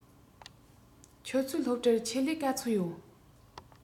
ཁྱོད ཚོའི སློབ གྲྭར ཆེད ལས ག ཚོད ཡོད